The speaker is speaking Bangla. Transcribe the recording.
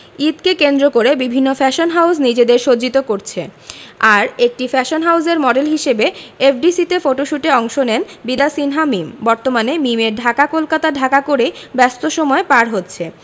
ঈদকে কেন্দ্র করে বিভিন্ন ফ্যাশন হাউজ নিজেদের সজ্জিত করছে আর একটি ফ্যাশন হাউজের মডেল হিসেবে এফডিসি তে ফটোশ্যুটে অংশ নেন বিদ্যা সিনহা মীম বর্তমানে মিমের ঢাকা কলকাতা ঢাকা করেই ব্যস্ত সময় পার হচ্ছে